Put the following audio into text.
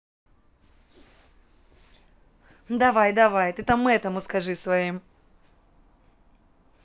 давай давай ты там этому скажи своим